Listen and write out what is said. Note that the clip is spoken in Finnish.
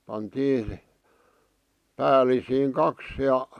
pantiin päällisiin kaksi ja